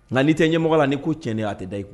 Nka' tɛ ɲɛmɔgɔ la ni ko cɛnlen a tɛ da i kun